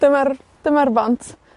Dyma'r, dyma'r bont.